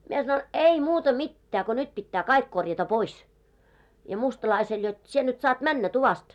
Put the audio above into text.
minä sanoin ei muuta mitään kun nyt pitää kaikki korjata pois ja mustalaiselle jotta sinä nyt saat mennä tuvasta